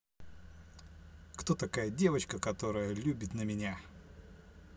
кто такая девочка которая любит на меня